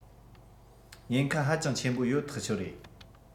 ཉེན ཁ ཧ ཅང ཆེན པོ ཡོད ཐག ཆོད རེད